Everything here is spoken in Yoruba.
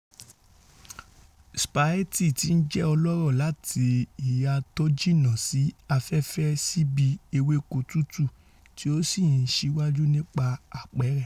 Spieth ti ńjẹ́ olóró láti ìhà tójìnnà sí afẹ́fẹ́ síbi ewéko tútù tí o sì ńsíwájú nípa àpẹẹrẹ.